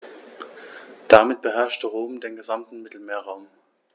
Damit beherrschte Rom den gesamten Mittelmeerraum.